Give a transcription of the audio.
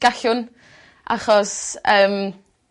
Gallwn achos yym